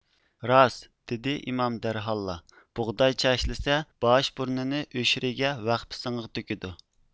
راست دېدى ئىمام دەرھاللا بۇغداي چەشلىسە باش بۇرنىنى ئۆشرىگە ۋەخپە سېڭىغا تۆكىدۇ